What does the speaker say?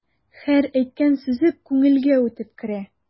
Һәр әйткән сүзе күңелгә үтеп керә.